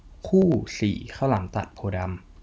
คู่สี่ข้าวหลามตัดโพธิ์ดำ